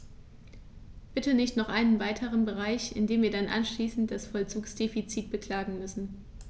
Bitte nicht noch einen weiteren Bereich, in dem wir dann anschließend das Vollzugsdefizit beklagen müssen.